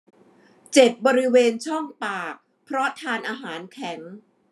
เจ็บบริเวณช่องปากเพราะทานอาหารแข็ง